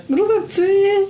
Maen nhw fatha tŷ.